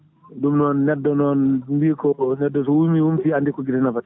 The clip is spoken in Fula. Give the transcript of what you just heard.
ɗum noon neɗɗo ɓe ko so neɗɗo wuumi wumti andi ko guite nafata